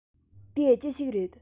དེ ཅི ཞིག རེད